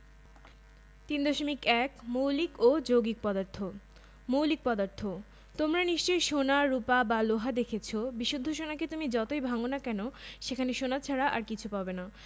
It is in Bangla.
ভিন্ন ভিন্ন মৌলের পরমাণু পরস্পর যুক্ত হলে তাকে যৌগের অণু বলে যেমন কার্বন ডাই অক্সাইড